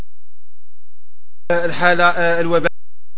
الحلقه